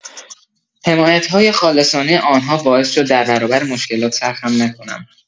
حمایت‌های خالصانه آن‌ها باعث شد دربرابر مشکلات سر خم نکنم.